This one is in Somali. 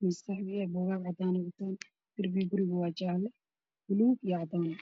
miis qaxwi, buugaag cadaan wataan, darbiga guriga waa jaale, buluug iyo cadaan ah.